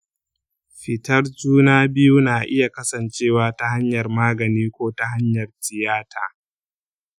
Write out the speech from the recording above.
fitar juna biyu na iya kasancewa ta hanyar magani ko ta hanyar tiyata.